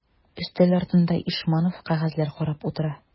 Өстәл артында Ишманов кәгазьләр карап утыра.